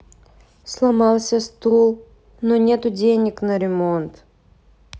сломался стул но нету денег на ремонт